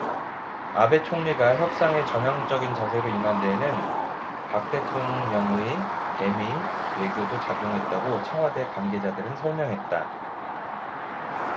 아베 총리가 협상에 전향적인 자세로 임한 데에는 박 대통령의 대미 외교도 작용했다고 청와대 관계자들은 설명했다